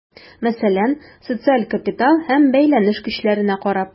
Мәсәлән, социаль капитал һәм бәйләнеш көчләренә карап.